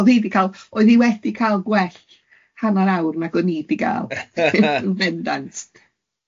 Oedd hi di cael, oedd hi wedi cael gwell hannar awr nag o'n i wedi cael, yn bendant.